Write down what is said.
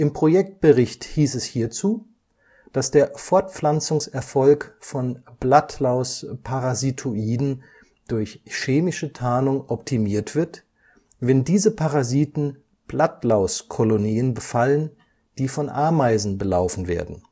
Projektbericht hieß es hierzu, dass der Fortpflanzungserfolg von Blattlaus-Parasitoiden durch chemische Tarnung optimiert wird, wenn diese Parasiten Blattlauskolonien befallen, die von Ameisen belaufen werden